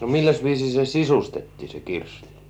no milläs viisiin se sisustettiin se kirstu